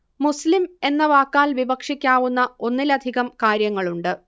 മുസ്ലിം എന്ന വാക്കാൽ വിവക്ഷിക്കാവുന്ന ഒന്നിലധികം കാര്യങ്ങളുണ്ട്